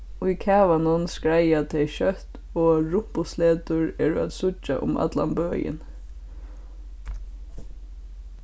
í kavanum skreiða tey skjótt og rumpusletur eru at síggja um allan bøin